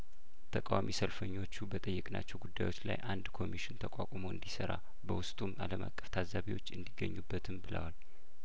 ተቃዋሚ ሰልፈኞቹ በጠየቅናቸው ጉዱዮች ላይ አንድ ኮሚሽን ተቋቁሞ እንዲሰራ በውስጡም አለም አቀፍ ታዛቢዎች እንዲገኙበትም ብለዋል